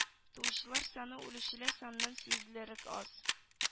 Туучылар саны үлүчеләр саныннан сизелерлек аз